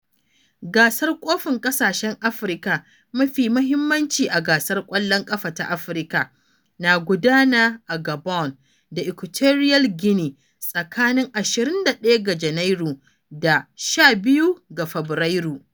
Gasar Kofin Ƙasashen Afirka, mafi muhimmanci a gasar ƙwallon ƙafa ta Afirka, na gudana a Gabon da Equatorial Guinea tsakanin 21 ga Janairu daa 12 ga Fabrairu.